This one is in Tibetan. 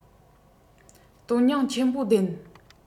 དོན སྙིང ཆེན པོ ལྡན